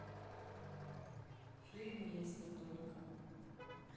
фильм если только